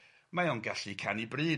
Mae o'n gallu canu bryd.